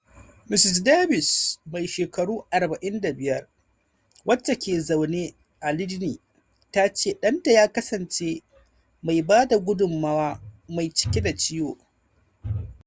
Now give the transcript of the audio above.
Ms Davis, mai shekaru 45, wacce ke zaune a Lydney, ta ce ɗanta ya kasance mai ba da gudummawa mai cike da ciwo.